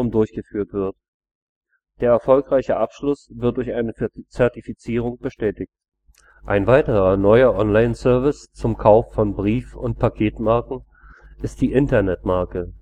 durchgeführt wird. Der erfolgreiche Abschluss wird durch eine Zertifizierung bestätigt. Ein weiterer, neuer Online-Service zum Kauf von Brief - und Paketmarken ist die Internetmarke